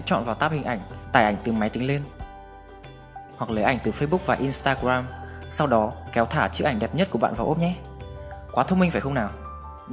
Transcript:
hãy chọn vào tab hình ảnh tải từ máy tính lên hoặc lấy từ facebook và instagram sau đókéo thả chiếc ảnh đẹp nhất của bạn vào ốp nhé quá thông minh phải không nào